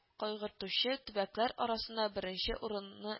Кайгыртучы төбәкләр арасына беренче урынны